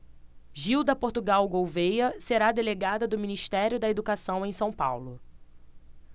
gilda portugal gouvêa será delegada do ministério da educação em são paulo